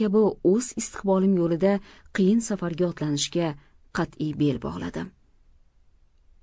kabi o'z istiqbolim yo'lida qiyin safarga otlanishga qat'iy bel bog'ladim